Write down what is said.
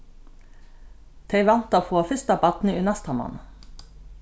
tey vænta at fáa fyrsta barnið í næsta mánað